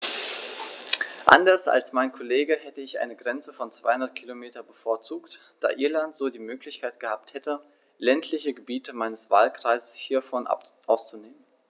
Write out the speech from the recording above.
Anders als mein Kollege hätte ich eine Grenze von 200 km bevorzugt, da Irland so die Möglichkeit gehabt hätte, ländliche Gebiete meines Wahlkreises hiervon auszunehmen.